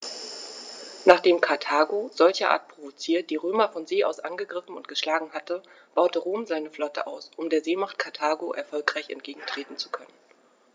Nachdem Karthago, solcherart provoziert, die Römer von See aus angegriffen und geschlagen hatte, baute Rom seine Flotte aus, um der Seemacht Karthago erfolgreich entgegentreten zu können.